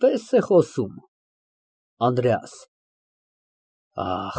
Սիրահարված ես, տանջվում ես մի անզուգական երիտասարդի, մի աննման իդեալիստի համար։ (Լուրջ)։